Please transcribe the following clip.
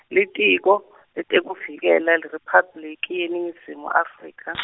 Litiko letekuvikela IRiphabliki yeNingizimu Afrika.